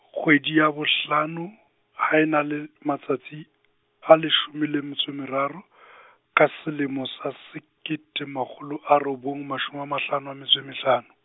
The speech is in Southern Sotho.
kgwedi ya bohlano, ha e nale matsatsi, ha leshome le metso e meraro , ka selemo sa sekete makgolo a robong mashome a mahlano a metso e mme hlano.